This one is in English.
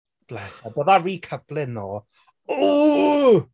Bless her. But that recoupling though... Ooh!